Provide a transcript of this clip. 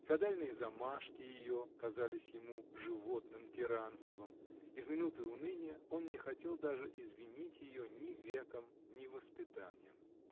феодальные замашки ее казались ему животным тиранством, и в минуты уныния он не хотел даже извинить ее ни веком, ни воспитанием.